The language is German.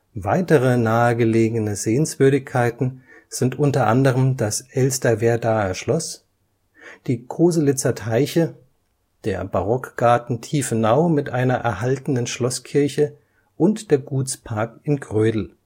Weitere nahegelegene Sehenswürdigkeiten sind unter anderem das Elsterwerdaer Schloss, die Koselitzer Teiche, der Barockgarten Tiefenau mit einer erhaltenen Schlosskirche und der Gutspark in Grödel. Außerdem